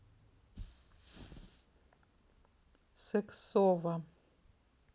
сексова